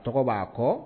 Tɔgɔ b'a kɔ